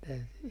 täytyi